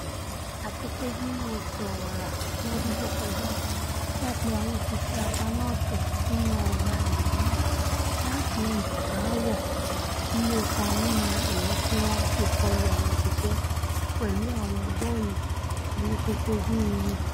Àtipé nínú oṣù Ọ̀wàrà lọ́dún tó kọjá wọ́n pé àwọn òṣìṣẹ́ apaná-ọ̀tẹ̀ sínú ọgbà-ẹ̀wọ̀n náà láti yanjú aáwọ̀ líle kan nínú èyití wọ́n ti kọlu àwọn òṣìsẹ́ pẹ̀lú àwọn bọ́ọ̀lù alekoko-bí-irin.